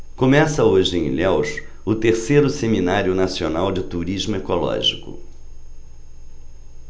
começa hoje em ilhéus o terceiro seminário nacional de turismo ecológico